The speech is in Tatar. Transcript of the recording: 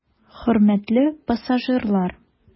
Хөрмәтле пассажирлар!